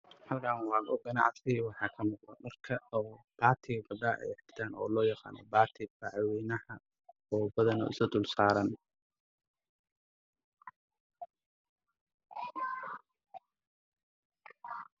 Meeshaan waa carwo dukaan waxaa lagu iibinayaa dhar dumarka raacyo ah oo iskafaala saaran